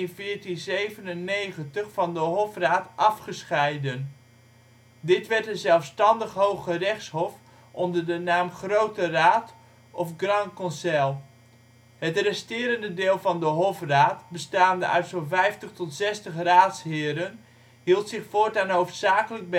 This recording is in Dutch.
VIII in 1497 van de hofraad afgescheiden. Dit werd een zelfstandig hooggerechtshof onder de naam Grote Raad of Grand Conseil. Het resterende deel van de hofraad, bestaande uit zo 'n 50 tot 60 raadsheren, hield zich voortaan hoofdzakelijk